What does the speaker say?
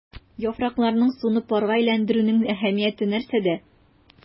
Яфракларның суны парга әйләндерүнең әһәмияте нәрсәдә?